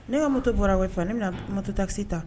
Ne ka moto bu bɔra fɔ ne bɛna moto tasi ta